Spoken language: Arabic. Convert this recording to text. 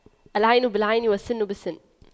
العين بالعين والسن بالسن